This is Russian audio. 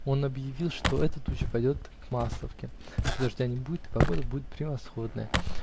он объявил, что эта туча пойдет к Масловке, что дождя не будет и погода будет превосходная.